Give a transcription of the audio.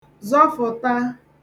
zọfụ̀ta